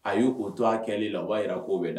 A ye u to a kɛli la. O ba yira ko bɛ